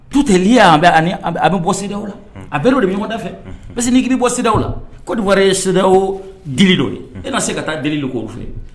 Tu tɛliya an an bɛ bɔda la a bɛɛ o de bɛ ɲɔgɔnda fɛ parce que n'iki bɔsidaw la kodiwa ye seda di dɔw ye e na se ka taa deli don k' fɛ